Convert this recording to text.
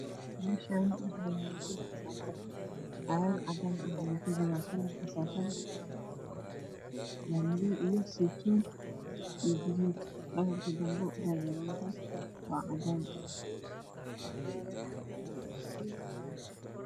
Meshaani waxaa yala sedax sako cagad ayeey ku jiran kalarka sakada waa madoow iyo seytuuni iyo gaduud dhabarka damba baagaroonka waa cadan